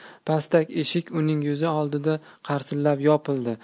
pastak eshik uning yuzi oldida qarsillab yopildi